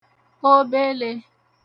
obelē